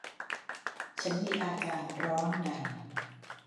ฉันมีอาการร้อนใน